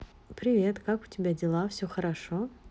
привет как у тебя дела все хорошо